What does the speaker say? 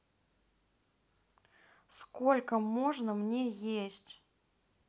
сколько можно мне есть